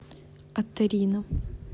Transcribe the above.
отторино